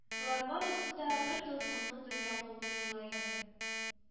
Болар барысы да бер тылсымлы дөнья булып тоела иде